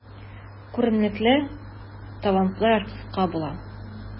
Күренекле, талантлы артистка була.